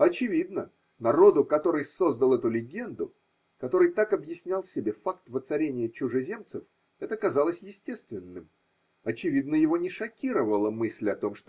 Очевидно, народу, который создал эту легенду, который так объяснял себе факт воцарения чужеземцев, это казалось естественным: очевидно, его не шокировала мысль о том.